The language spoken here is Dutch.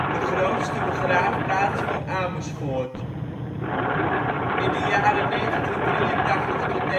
de grootste begraafplaats voor Amersfoort. In de jaren 1983 - 1985